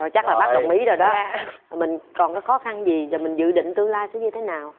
rồi chắc là bác đồng ý rồi đó mình còn khó khăn gì và mình dự định tương lai sẽ như thế nào